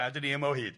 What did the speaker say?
A 'dan ni yma o hyd.